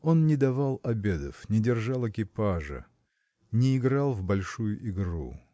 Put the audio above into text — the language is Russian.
Он не давал обедов, не держал экипажа, не играл в большую игру.